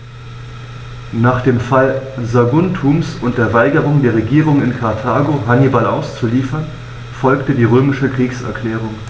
Nach dem Fall Saguntums und der Weigerung der Regierung in Karthago, Hannibal auszuliefern, folgte die römische Kriegserklärung.